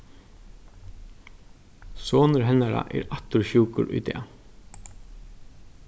sonur hennara er aftur sjúkur í dag